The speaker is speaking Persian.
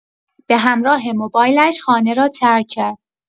به همراه موبایلش خانه را ترک کرد.